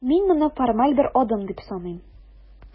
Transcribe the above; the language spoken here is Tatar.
Мин моны формаль бер адым дип саныйм.